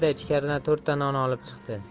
ichkaridan to'rtta non olib chiqdi